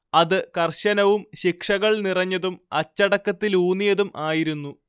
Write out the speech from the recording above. അത് കർശനവും ശിക്ഷകൾ നിറഞ്ഞതും അച്ചടക്കത്തിലൂന്നിയതും ആയിരുന്നു